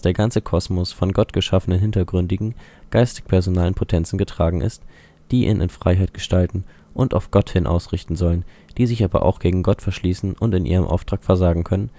ganze Kosmos von gottgeschaffenen hintergründigen, geistig-personalen Potenzen getragen ist, die ihn in Freiheit gestalten und auf Gott hin ausrichten sollen, die sich aber auch gegen Gott verschließen und in ihrem Auftrag versagen können